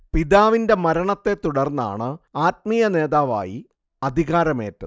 പിതാവിന്റെ മരണത്തെ തുടർന്നാണ് ആത്മീയനേതാവായി അധികാരമേറ്റത്